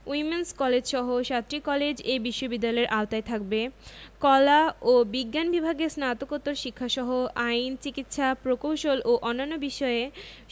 women's কলেজসহ সাতটি college এ বিশ্ববিদ্যালয়ের আওতায় থাকবে কলা ও বিজ্ঞান বিভাগে স্নাতকোত্তর শিক্ষাসহ আইন চিকিৎসা প্রকৌশল ও অন্যান্য বিষয়ে